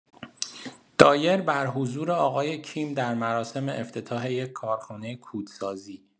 دایر بر حضور آقای کیم در مراسم افتتاح یک کارخانه کودسازی